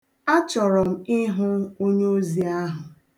A chọrọ m ịhụ onyeozi ahụ.